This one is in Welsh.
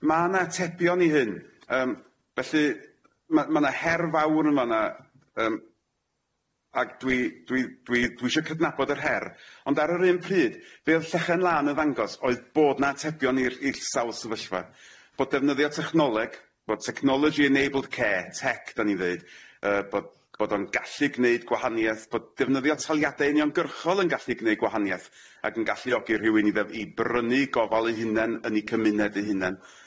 Ma' 'na atebion i hyn yym felly ma' ma' 'na her fawr yn fan'na yym ag dwi dwi dwi dwi sho cydnabod yr her ond ar yr un pryd be' o'dd Llechen Lan yn ddangos oedd bod 'na atebion i'r i'r sawl sefyllfa bod defnyddio technoleg bod technology enabled care tech 'dan ni'n ddeud yy bod bod o'n gallu gneud gwahanieth bod defnyddio taliade uniongyrchol yn gallu gneud gwahanieth ag yn galluogi rhywun i dd- i brynu gofal ei hunen yn ei cymuned ei hunen.